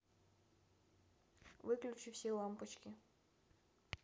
выключи все лампочки